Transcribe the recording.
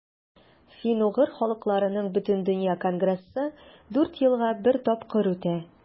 Фин-угыр халыкларының Бөтендөнья конгрессы дүрт елга бер тапкыр үтә.